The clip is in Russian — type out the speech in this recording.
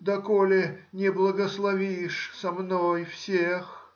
доколе не благословишь со мной всех.